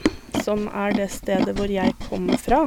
Som er det stedet hvor jeg kommer fra.